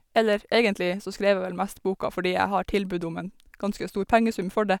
Eller, egentlig så skreiv jeg vel mest boka fordi jeg har tilbud om en ganske stor pengesum for det.